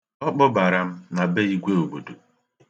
Ọ kpobara m na be Igwe obodo.